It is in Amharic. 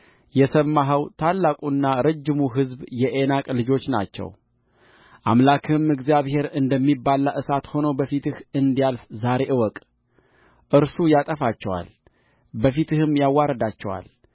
የሰማኸው ታላቁና ረጅሙ ሕዝብ የዔናቅ ልጆች ናቸውአምላክህም እግዚአብሔር እንደሚበላ እሳት ሆኖ በፊትህ እንዲያልፍ ዛሬ እወቅ እርሱ ያጠፋቸዋል በፊትህም ያዋርዳቸዋል